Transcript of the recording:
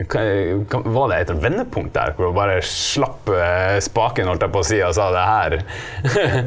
hva var det et vendepunkt der, hvor du bare slapp spaken holdt jeg på å si og sa det her ?